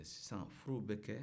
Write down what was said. sisan furuw bɛ kɛ